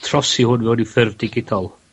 trosi hwn mewn i ffurf digidol.?